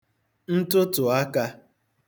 ntụtụ̀akā